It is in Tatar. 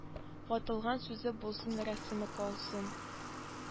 Ватылган сүзе булсын рәсеме калсын